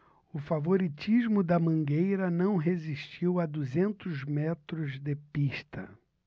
o favoritismo da mangueira não resistiu a duzentos metros de pista